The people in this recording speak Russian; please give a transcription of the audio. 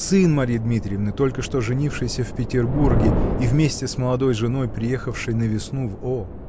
сын Марьи Дмитриевны, только что женившийся в Петербурге и вместе с молодой женой приехавший на весну в О.